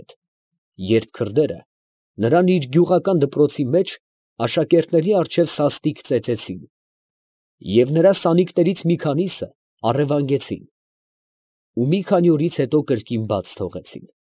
Հետ, երբ քրդերը նրան իր գյուղական դպրոցի մեջ աշակերտների առջև սաստիկ ծեծեցին, և նրա սանիկներից մի քանիսը առևանգեցին, և մի քանի օրից հետո կրկին բաց թողեցին։